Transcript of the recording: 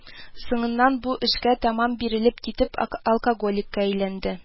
Соңыннан, бу эшкә тәмам бирелеп китеп, алкоголикка әйләнде